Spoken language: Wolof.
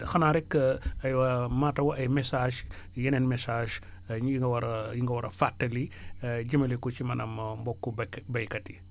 xanaa rekk aywa * ay messages yeneen messages yi nga war a yi nga war a fàttali jëmale ko ci maanaam mbokku baykat yi